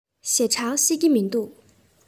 ཞེ དྲགས ཤེས ཀྱི མི འདུག